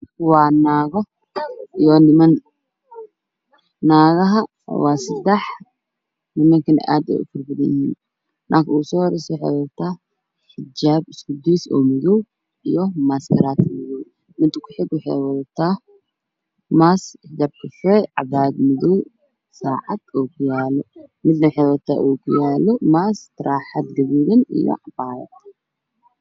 Waa naago iyo niman naagaha waa sadex nimankuna aad Bay u fara badan yihiin naagta u soo horeyso waxay qabtaa xijaab isku deys ah oo madow iyo masar madow mida ku xigtana waxay wadataa maas io kafee cabaayad madow saacad ookiyaalo mida xigta ookiyaalo maas taraaxad gaduudan iyo cabaayad